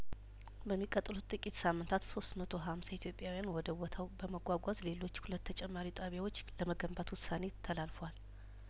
በሚቀጥሉት ጥቂት ሳምንታት ሶስት መቶ ሀምሳ ኢትዮጵያውያንን ወደ ቦታው በመጓጓዝ ሌሎች ሁለት ተጨማሪ ጣቢያዎች ለመገንባት ውሳኔ ተላልፏል